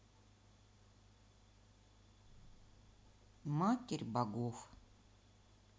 матерь богов